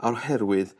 o'r herwydd